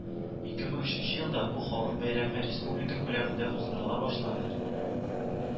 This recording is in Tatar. Ике мең өченче елда бу халык бәйрәме республика күләмендә уздырыла башлады